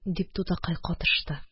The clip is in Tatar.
Дип, тутакай катышты